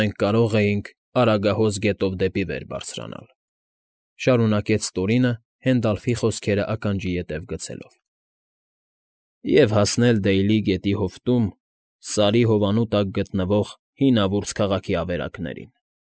Մենք կարող էինք Արագահոս գետով դեպի վեր բարձրանալ, ֊ շարունակեց Տորինը՝ Հենդալֆի խոսքերը ականջի ետև գցելով,֊ և հասնել Դեյլի գետի հովտում Սարի հովանու տակ գտնվող հինավուրց քաղաքի ավերակներին։